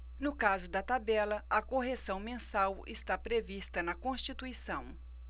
no caso da tabela a correção mensal está prevista na constituição